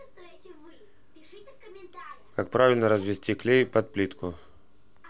как правильно развести клей под плитку